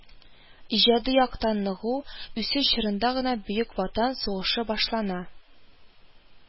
Иҗади яктан ныгу, үсеш чорында гына Бөек Ватан сугышы башлана,